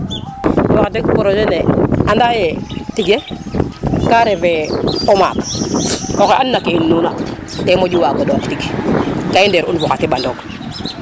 waax deg projet ne anda ye tige ka refe o maak o xe an na ke unu na te moƴu wago ɗoq tigka i ndeer un fo xa teɓa noong